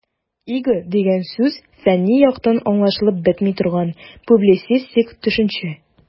"иго" дигән сүз фәнни яктан аңлашылып бетми торган, публицистик төшенчә.